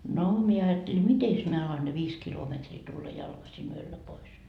no minä ajattelin mitenkäs minä alan ne viisi kilometriä tulla jalkaisin yöllä pois